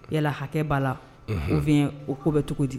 Yala hakɛ b'a. Unhun! Ou bien o ko bɛ cogo di?